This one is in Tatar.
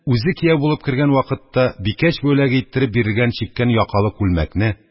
Үзе кияү булып кергән вакытта бикәч бүләге иттереп бирелгән чиккән якалы күлмәкне,